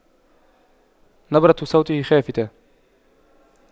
نبرة صوته خافتة